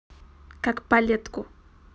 как палетку